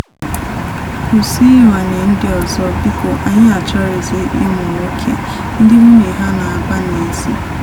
Kwụsị ịranye ndị ọzọ, biko anyị achọghịzị ụmụ nwoke ndị nwunye ha na-agba n'ezi.